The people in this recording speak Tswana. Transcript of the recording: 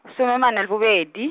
some amane le bobedi.